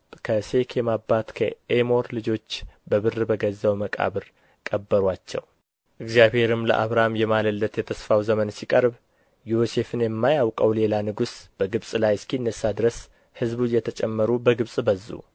ከሴኬም አባት ከኤሞር ልጆች በብር በገዛው መቃብር ቀበሩአቸው እግዚአብሔርም ለአብርሃም የማለለት የተስፋው ዘመን ሲቀርብ ዮሴፍን የማያውቀው ሌላ ንጉሥ በግብፅ ላይ እስኪነሣ ድረስ ሕዝቡ እየተጨመሩ በግብፅ በዙ